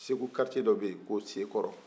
segu kariciye dɔ beye ko seekɔrɔ